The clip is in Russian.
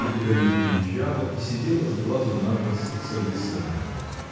никуда не выезжала и сидела с глазу на глаз с Александром.